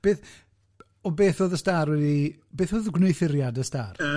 Beth o beth oedd y star wedi... Beth oedd gwneuthuriad y star?